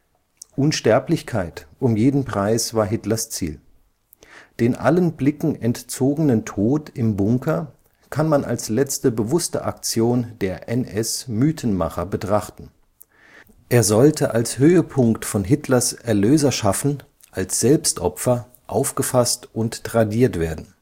Unsterblichkeit um jeden Preis war Hitlers Ziel. […] Den allen Blicken entzogenen Tod im Bunker kann man als letzte bewußte Aktion der NS-Mythenmacher betrachten. Er sollte als Höhepunkt von Hitlers Erlöserschaffen, als Selbstopfer, aufgefaßt und tradiert werden